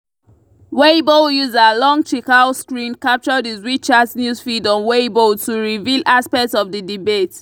Weibo user Long Zhigao screen captured his WeChat newsfeed on Weibo to reveal aspects of the debate.